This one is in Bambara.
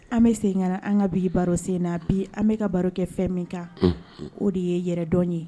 An bɛ sen an ka bi baro sen na bi an bɛka ka baro kɛ fɛn min kan o de ye yɛrɛdɔn ye